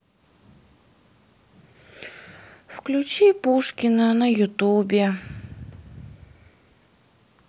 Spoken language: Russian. включи пушкина на ютубе